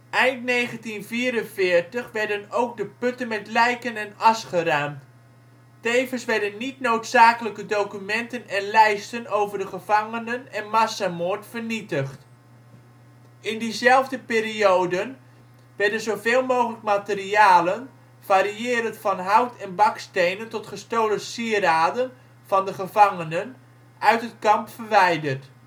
Eind 1944 werden ook de putten met lijken en as geruimd. Tevens werden niet-noodzakelijke documenten en lijsten over de gevangenen en massamoord vernietigd. In diezelfde periode werden zoveel mogelijk materialen, variërend van hout en bakstenen tot gestolen sieraden van de gevangenen uit het kamp verwijderd